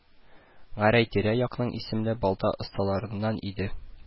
Гәрәй тирә-якның исемле балта осталарыннан иде